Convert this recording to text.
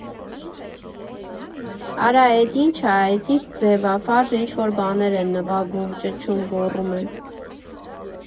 Արա էդ ի՞նչ ա, էդ է՞նչ ձև ա՝ ֆարշ ինչ֊որ բաներ են նվագում, ճչում֊գոռում են։